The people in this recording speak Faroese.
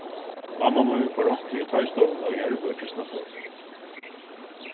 mamma mín fór onkuntíð í toystovuna í erva í kristnastovu